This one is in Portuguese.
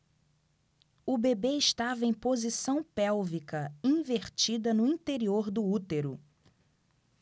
o bebê estava em posição pélvica invertida no interior do útero